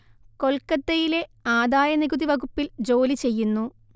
കൊൽക്കത്തയിലെ ആദായ നികുതി വകുപ്പിൽ ജോലി ചെയ്യുന്നു